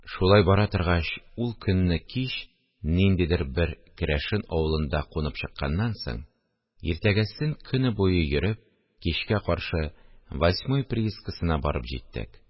Шулай бара торгач, ул көнне кич ниндидер бер керәшен авылында кунып чыкканнан соң, иртәгәсен көне буе йөреп, кичкә каршы «Восьмой» приискасына барып җиттек